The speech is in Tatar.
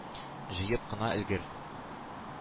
Җыеп кына өлгер.